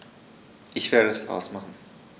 Ich werde es ausmachen